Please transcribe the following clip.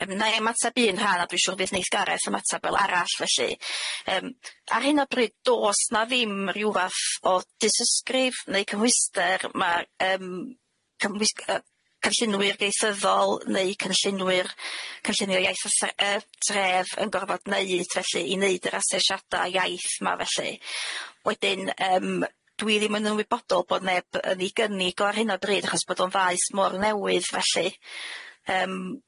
Yym nâi ymateb un rhan a dwi siŵr byth neith Gareth ymateb fel arall felly, yym ar hyn o bryd do's na ddim ryw fath o dysysgrif neu cymhwyster ma' yym cymhwys- yy canllinwyr ieithyddol neu canllinwyr canllinio iaith ose- yy tref yn gorfod neud felly i neud yr asesiada iaith ma' felly, wedyn yym dwi ddim yn ymwybodol bod neb yn ei gynnig o ar hyn o bryd achos bod o'n faes mor newydd felly yym.